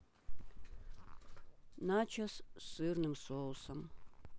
начос с сырным соусом